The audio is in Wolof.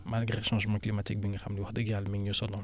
malgré changement climatique bi nga xam ne wax dëgg Yàlla mi ngi ñuy sonal